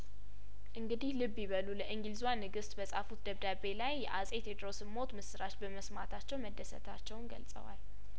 እንግዲህ ልብ ይበሉ ለእንግሊዟን ግስት በጻፉት ደብዳቤ ላይ የአጼ ቴድሮስን ሞት ምስራች በመስማታቸው መደሰታቸውን ገልጸዋል